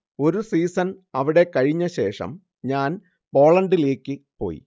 ഒരു സീസൺ അവിടെ കഴിഞ്ഞശേഷം ഞാൻ പോളണ്ടിലേയ്ക്ക് പോയി